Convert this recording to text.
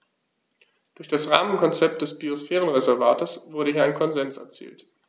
Durch das Rahmenkonzept des Biosphärenreservates wurde hier ein Konsens erzielt.